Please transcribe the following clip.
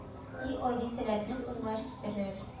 И ади сәләтең уңыш китерер